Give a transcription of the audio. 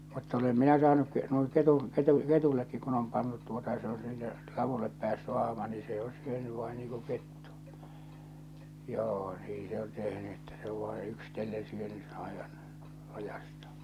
mutta olen minä saanut - noin ketun - ketuillekin kun on pantu tuota ja se on sille ladulle päässyt ahma niin se on syönyt vain niin kuin kettu joo niin se on tehnyt että se on vain yksitellen syönyt aivan laidastaan